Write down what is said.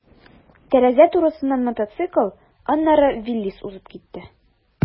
Тәрәзә турысыннан мотоцикл, аннары «Виллис» узып китте.